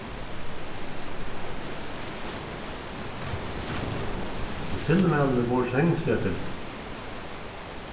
og tilmælini vóru so hegnisliga fylgd